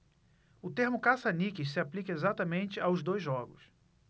o termo caça-níqueis se aplica exatamente aos dois jogos